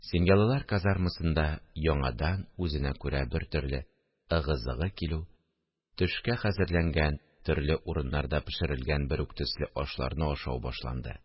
Семьялылар казармасында яңадан үзенә күрә бертөрле ыгы-зыгы килү, төшкә хәзерләнгән, төрле урыннарда пешерелгән бер үк төсле ашларны ашау башланды